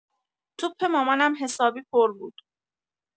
توپ مامانم حسابی پر بود.